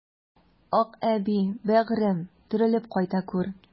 Акъәби, бәгырем, терелеп кайта күр!